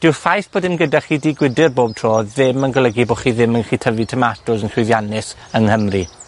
dyw'r ffaith bo' dim gyda chi dŷ gwydyr bob tro ddim yn golygu bo' chi ddim yn 'lly tyfu tomatos yn llwyddiannus yng Nghymru.